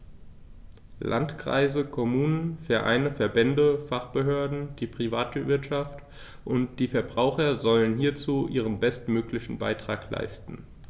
Landkreise, Kommunen, Vereine, Verbände, Fachbehörden, die Privatwirtschaft und die Verbraucher sollen hierzu ihren bestmöglichen Beitrag leisten.